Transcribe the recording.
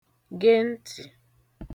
ge ntị̀